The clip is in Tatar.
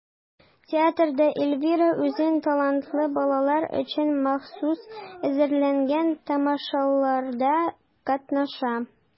Театрда Эльвира үзен талантлы балалар өчен махсус әзерләнгән тамашаларда катнаша.